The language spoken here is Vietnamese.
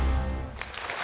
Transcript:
ạ